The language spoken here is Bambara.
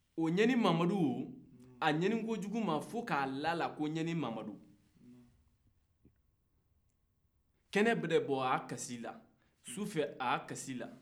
o ɲani mamadu o a ɲani kojugu ma fɔ k'a dala k'o ɲani mamadu kɛnɛ mana bɔ a bɛ kasi la su fɛ a bɛ kasi la